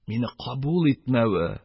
Мине кабул итмәве,